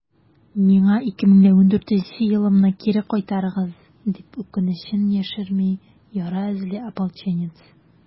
«миңа 2014 елымны кире кайтарыгыз!» - дип, үкенечен яшерми яра эзле ополченец.